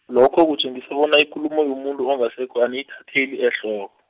lokho kutjengisa bona ikulumo yomuntu ongasekho aniyithatheli ehloko.